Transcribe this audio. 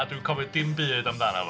A dwi'n cofio dim byd amdano fo.